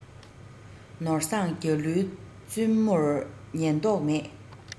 ནོར བཟང རྒྱ ལུའི བཙུན མོར ཉན མདོག མེད